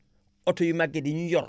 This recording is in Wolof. oto yu màgget yi ñuy yor